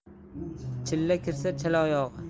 chilla kirsa chil oyog'i